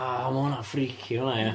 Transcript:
O ma' hwnna'n freaky hwnna ia.